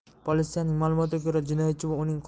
politsiyaning ma'lumotlariga ko'ra jinoyatchi va